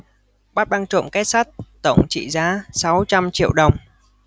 bắt băng trộm két sắt tổng trị giá sáu trăm triệu đồng